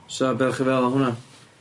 So be' o' chi feddwl am hwnna?